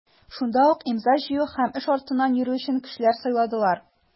Шунда ук имза җыю һәм эш артыннан йөрү өчен кешеләр сайладылар.